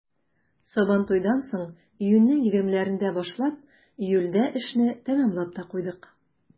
Сабантуйдан соң, июньнең 20-ләрендә башлап, июльдә эшне тәмамлап та куйдык.